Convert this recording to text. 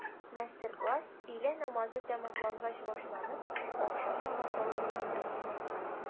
Мастер-класс өйлә намазы тәмамлангач башланып, ахшам намазы алдыннан тәмамланган.